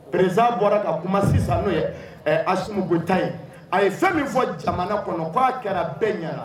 Perez bɔra ka kuma sisan n'o ye ata ye a ye min fɔ jamana kɔnɔ k'a kɛra bɛɛ ɲɛna